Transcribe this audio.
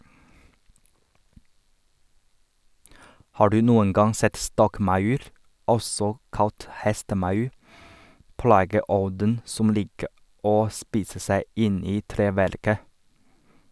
Har du noen gang sett stokkmaur, også kalt hestemaur, plageånden som liker å spise seg inn i treverket?